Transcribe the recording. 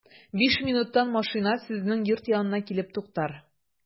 Биш минуттан машина сезнең йорт янына килеп туктар.